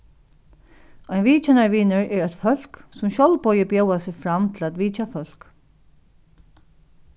ein vitjanarvinur er eitt fólk sum sjálvboðið bjóðar seg fram til at vitja fólk